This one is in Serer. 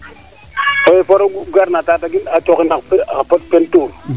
oxu gar na gar a cooxin xa pot